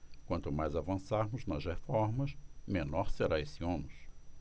quanto mais avançarmos nas reformas menor será esse ônus